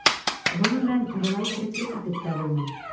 Гомумән, болай тереклек итеп тә булмый.